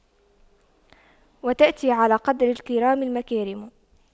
وتأتي على قدر الكرام المكارم